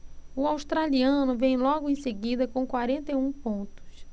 o australiano vem logo em seguida com quarenta e um pontos